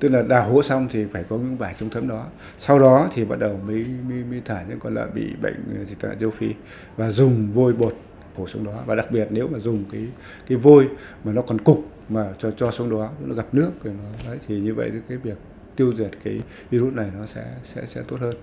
tức là đào hố xong thì phải có những bài trung tâm đó sau đó thì bắt đầu mí mí mí thả những con lợn bị bệnh dịch tả châu phi và dùng vôi bột hồ xúc động và đặc biệt nếu dùng ký thì vui mà nó còn cục mà thầy trò trong đó ngập nước thì như vậy với việc tiêu diệt khi virus này họ sẽ sẽ sẽ tốt hơn